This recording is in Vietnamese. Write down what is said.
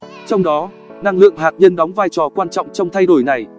trong đó năng lượng hạt nhân đóng vai trò quan trọng trong thay đổi này